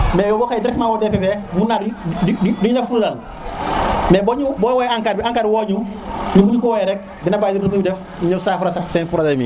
mais wo directement DPV ñun dinañu def fula mais bo wowe Ankar bi Ankar wo ñu ñun buñu wowe rek dinañ bayi lep luñuy def ñu ñow safara seen probleme yi